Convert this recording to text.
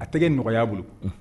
A tɛgɛ nɔgɔya bolo